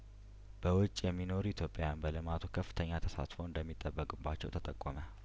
በውጭ የሚኖሩ ኢትዮጵያን በልማቱ ከፍተኛ ተሳትፎ እንደሚጠበቅባቸው ተጠቆመ